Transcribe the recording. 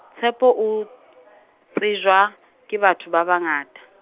Tshepo o , tsejwa , ke batho ba bangata.